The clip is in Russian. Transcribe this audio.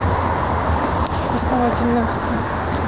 основатель nexta